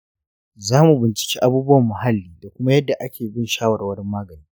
za mu binciki abubuwan muhalli da kuma yadda ake bin shawarwarin magani.